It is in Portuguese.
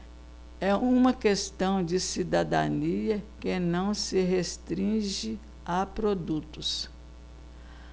é uma questão de cidadania que não se restringe a produtos